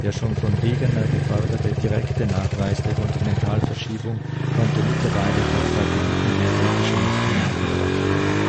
schon von Wegener geforderte direkte Nachweis der Kontinentalverschiebung konnte mittlerweile durch satellitengeodätische Messungen erbracht werden